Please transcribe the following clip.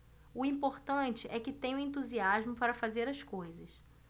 o importante é que tenho entusiasmo para fazer as coisas